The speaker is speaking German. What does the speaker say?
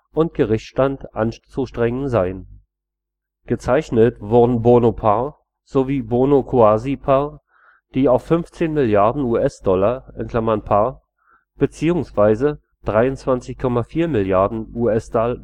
und Gerichtsstand anzustrengen sein. Gezeichnet wurden Bono Par sowie Bono Cuasi Par, die auf 15 Mrd. US-Dollar (Par) bzw. 23,4 Mrd. US-Dollar